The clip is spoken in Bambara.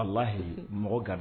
Lahiyi mɔgɔ ga